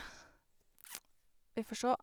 Vi får sjå.